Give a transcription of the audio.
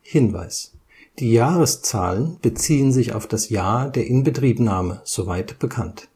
Die Jahreszahlen beziehen sich auf das Jahr der Inbetriebnahme, soweit bekannt